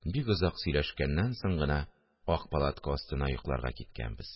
Бик озак сөйләшкәннән соң гына, ак палатка астына йокларга киткәнбез